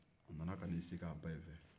a nana ka n'i sigi a ba in fɛ